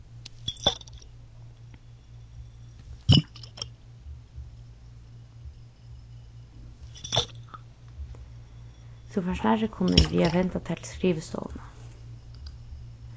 tú fært nærri kunning við at venda tær til skrivstovuna